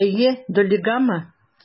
Әйе, Доллигамы?